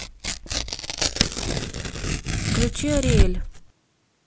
включи ариэль